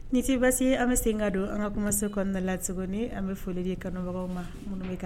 Ni se basi an bɛ sen ka don an ka kuma se kɔnɔnada lase an bɛ foli de kanubagaw ma mun kan